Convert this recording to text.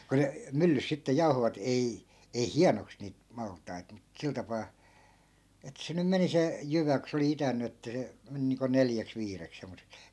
kun ne myllyssä sitten jauhoivat ei ei hienoksi niitä maltaita mutta sillä tapaa että se nyt meni se jyvä kun se oli itänyt että se meni niin kuin neljäksi viideksi semmoiseksi